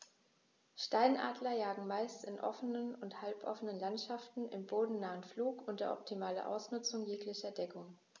Steinadler jagen meist in offenen oder halboffenen Landschaften im bodennahen Flug unter optimaler Ausnutzung jeglicher Deckung.